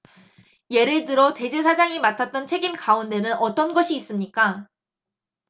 예를 들어 대제사장이 맡았던 책임 가운데는 어떤 것이 있습니까